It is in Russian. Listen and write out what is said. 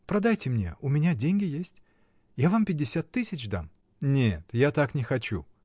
Продайте мне: у меня деньги есть. Я вам пятьдесят тысяч дам. — Нет, так я не хочу.